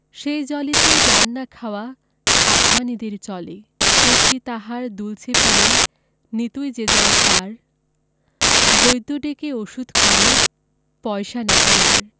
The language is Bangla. সেই জলেতে রান্না খাওয়া আসমানীদের চলে পেটটি তাহার দুলছে পিলেয় নিতুই যে জ্বর তার বৈদ্য ডেকে ওষুধ করে পয়সা নাহি আর